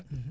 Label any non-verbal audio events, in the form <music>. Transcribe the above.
<hesitation> <hesitation>